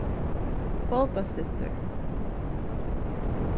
fótbóltsdystur